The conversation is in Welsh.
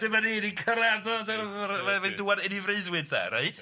Dyma ni, ni'n cyrraedd yy ma' fe'n dŵad yn ei freuddwyd de, reit, ia.